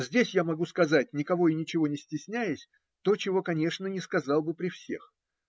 Здесь я могу сказать, никого и ничего не стесняясь, то, чего, конечно, не сказал бы при всех